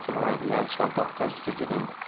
qilmaydigan shaltoq qiz sigiring